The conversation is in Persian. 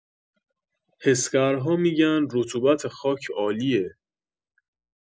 حسگرها می‌گن رطوبت خاک عالیه.